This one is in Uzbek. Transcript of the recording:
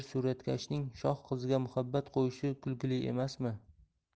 suratkashning shoh qiziga muhabbat qo'yishi kulgili emasmi